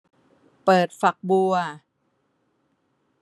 เปิดฝักบัว